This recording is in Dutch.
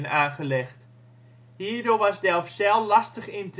aangelegd. Hierdoor was Delfzijl lastig in